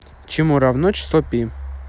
чему равно число пи